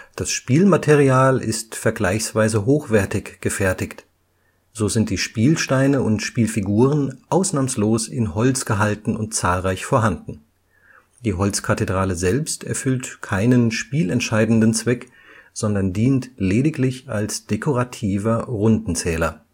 Das Spielmaterial ist vergleichsweise hochwertig gefertigt, so sind die Spielsteine und - figuren ausnahmslos in Holz gehalten und zahlreich vorhanden. Die Holzkathedrale selbst erfüllt keinen spielentscheidenden Zweck, sondern dient lediglich als dekorativer Rundenzähler